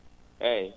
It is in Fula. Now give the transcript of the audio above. eeyi